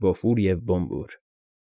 Բոֆուր և Բոմբուր։